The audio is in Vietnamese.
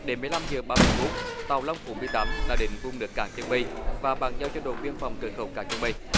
đến mười lăm giờ ba mươi phút tàu long phú mười tám đã đến vùng nước cảng chân mây và bàn giao cho đồn biên phòng cửa khẩu cảng chân mây